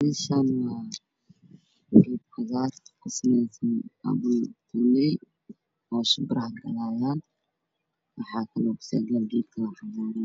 Meeshaan waa geed cagaar ka sameysan